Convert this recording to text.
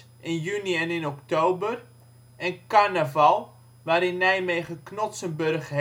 in juni en in oktober) Carnaval (waarin Nijmegen Knotsenburg